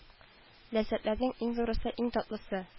Ләззәтләрнең иң зурысы иң татлысы